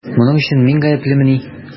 Моның өчен мин гаеплемени?